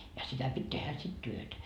ja sitä piti tehdä sitten työtä